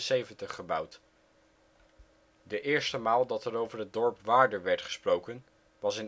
1774 gebouwd. De eerste maal dat er over het dorp Waarder werd gesproken was